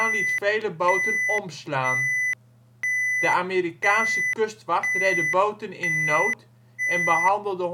liet vele boten omslaan. De Amerikaanse kustwacht redde boten in nood en behandelde